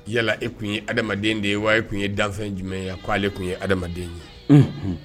Yala e tun ye adamadamaden de ye wa e tun ye danfɛn jumɛn ye k' ale tun ye adamaden ye